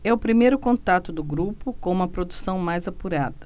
é o primeiro contato do grupo com uma produção mais apurada